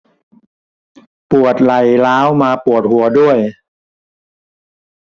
ปวดไหล่ร้าวมาปวดหัวด้วย